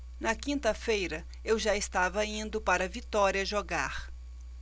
na quinta-feira eu já estava indo para vitória jogar